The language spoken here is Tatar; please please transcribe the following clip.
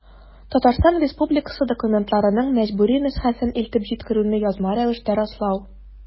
Татарстан Республикасы документларының мәҗбүри нөсхәсен илтеп җиткерүне язма рәвештә раслау.